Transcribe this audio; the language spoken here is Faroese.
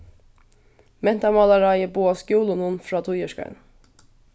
mentamálaráðið boðar skúlunum frá tíðarskeiðnum